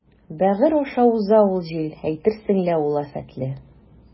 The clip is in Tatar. Бәгырь аша уза ул җил, әйтерсең лә ул афәтле.